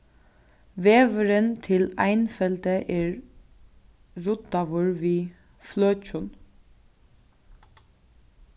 vegurin til einfeldi er ruddaður við fløkjum